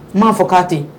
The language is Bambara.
N b'a fɔ k'a ten